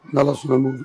N ala sunbugu